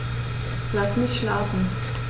Lass mich schlafen